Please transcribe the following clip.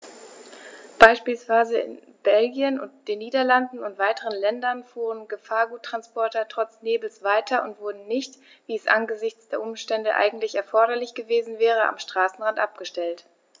Beispielsweise in Belgien, den Niederlanden und weiteren Ländern fuhren Gefahrguttransporter trotz Nebels weiter und wurden nicht, wie es angesichts der Umstände eigentlich erforderlich gewesen wäre, am Straßenrand abgestellt.